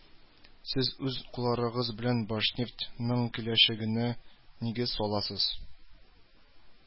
Сез үз кулларыгыз белән Башнефть нең киләчәгенә нигез саласыз